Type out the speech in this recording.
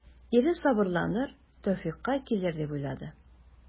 Ире сабырланыр, тәүфыйкка килер дип уйлады.